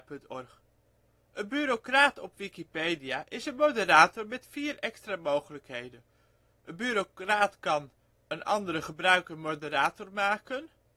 Een bureaucraat op Wikipedia is een moderator met vier extra mogelijkheden. Een bureaucraat kan: Een andere gebruiker moderator maken